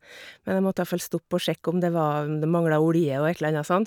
Men jeg måtte iallfall stoppe og sjekke om det var om det mangla olje og et eller anna sånt.